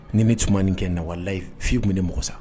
Ni bɛ tun nin kɛ nawalelayi fiwu bɛ ni mɔgɔ sa